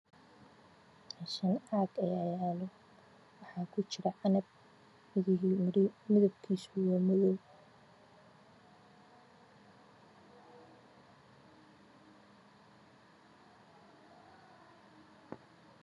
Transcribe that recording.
Meeshaan cag ayaa yaalo waxaa ku jiro calaf midabkiisu yahay madow